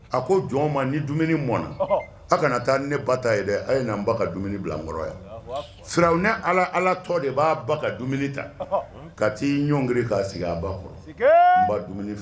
A ko jɔnw ma ni dumuni mɔn na aw kana taa ni ne ba ta ye dɛ, a ye na n ba ka dumuni bila yan n kɔrɔ , Faraun allah tɔ de b'a ba ka dumuni ta ka t'i ɲɔngri k'a sigi a ba kɔrɔ, sikee, n ba dumuni filɛ.